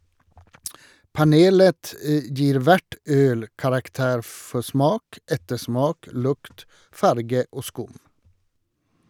Panelet gir hvert øl karakter for smak, ettersmak, lukt, farge og skum.